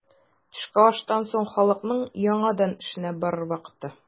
Төшке аштан соң халыкның яңадан эшенә барыр вакыты.